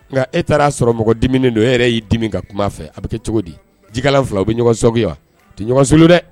Nka e taara y'a sɔrɔ mɔgɔ di don e yɛrɛ y'i dimi ka kuma fɛ a bɛ kɛ cogo di jikalalan fila u bɛ ɲɔgɔnsogin wa ɲɔgɔnso dɛ